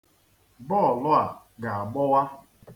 Bọọlụ a ga-agbọwa.